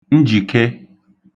njìke